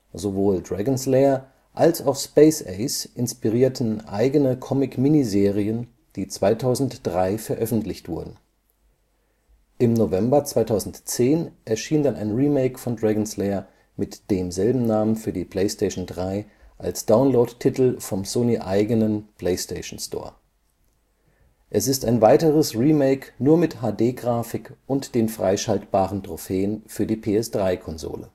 Sowohl Dragon’ s Lair als auch Space Ace inspirierten eigene Comic-Miniserien, die 2003 veröffentlicht wurden. Im November 2010 erschien dann ein Remake von Dragon’ s Lair mit demselben Namen für die PlayStation 3 als Download-Titel vom Sony-eigenen (nord-amerikanischen) Playstation Store. Es ist ein weiteres Remake, nur mit HD Grafik und den freischaltbaren Trophäen für die PS3-Konsole